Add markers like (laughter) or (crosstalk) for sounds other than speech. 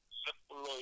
(hesitation) (hesitation)